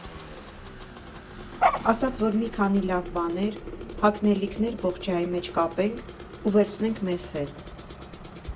Ասաց, որ մի քանի լավ բաներ, հագնելիքներ բոխչայի մեջ կապենք ու վերցնենք մեզ հետ։